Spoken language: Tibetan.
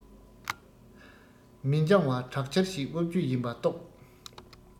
མི འགྱང བར དྲག ཆར ཞིག དབབ རྒྱུ ཡིན པ རྟོགས